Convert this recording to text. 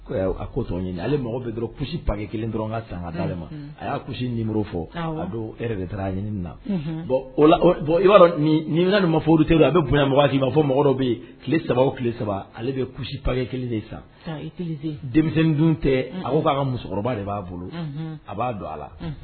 A ko sɔn ɲini ale mago bɛ dɔrɔn kusi pakɛ kelen dɔrɔn n ka san ka dalen ma a y'a kusi muru fɔ don e yɛrɛ taara ɲini na o bɔn ma foyi tɛ a bɛ bonyayanmɔgɔ'i ma fɔ mɔgɔ bɛ yen tile saba tile saba ale bɛ kusi pa kelen de san denmisɛn dun tɛ a k'a ka musokɔrɔba de b'a bolo a b'a don a la